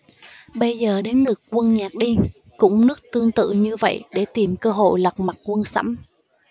bây giờ đến lượt quân nhạt đi cũng nước tương tự như vậy để tìm cơ hội lật mặt quân sẫm